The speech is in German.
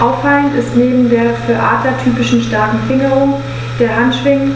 Auffallend ist neben der für Adler typischen starken Fingerung der Handschwingen